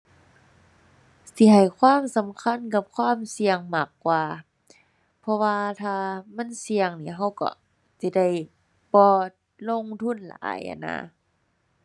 สิให้ความสำคัญกับความเสี่ยงมากกว่า เพราะว่าถ้ามันเสี่ยงนี่เราก็สิได้บ่ลงทุนหลายหั้นนะ